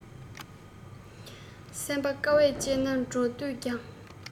སེམས པ དཀའ བ སྤྱད ནས འགྲོ འདོད ཀྱང